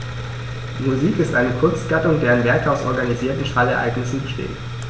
Musik ist eine Kunstgattung, deren Werke aus organisierten Schallereignissen bestehen.